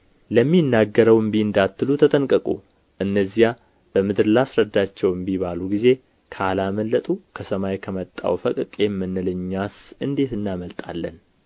ለሚናገረው እምቢ እንዳትሉ ተጠንቀቁ እነዚያ በምድር ላስረዳቸው እምቢ ባሉ ጊዜ ካላመለጡ ከሰማይ ከመጣው ፈቀቅ የምንል እኛስ እንዴት እናመልጣለን